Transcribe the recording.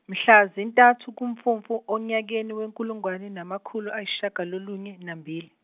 mhla zinthathu kuMfumfu onyakeni wenkulungwane namakhulu ayisishiyagalolunye nambili.